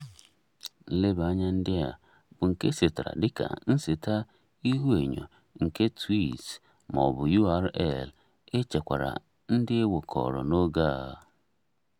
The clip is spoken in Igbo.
Nleba anya ndị a bụ nke e setara dika nseta ihuenyo nke tweets ma ọ bụ URL echekwara ndị ewekọrọ n'oge a.